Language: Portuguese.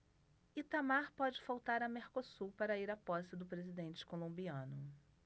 itamar pode faltar a mercosul para ir à posse do presidente colombiano